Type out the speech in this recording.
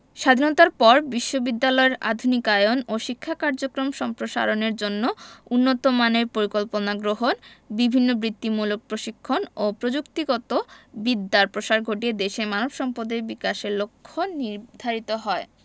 স্বাধীনতার পর বিশ্ববিদ্যালয়ের আধুনিকায়ন ও শিক্ষা কার্যক্রম সম্প্রসারণের জন্য উন্নতমানের পরিকল্পনা গ্রহণ বিভিন্ন বৃত্তিমূলক প্রশিক্ষণ ও প্রযুক্তিগত বিদ্যার প্রসার ঘটিয়ে দেশের মানব সম্পদের বিকাশের লক্ষ্য নির্ধারিত হয়